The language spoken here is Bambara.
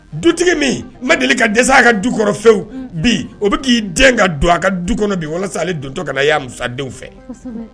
Dutigi min ma deli ka dɛsɛ a yɛrɛ ka du kɔrɔ few, un, bi o bɛ k'i dɛn ka don a ka du kɔnɔ bi walasa ale dontɔ kana ye a mus a denw fɛ, kosɛbɛ